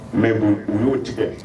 Mɛ u n'o tigɛ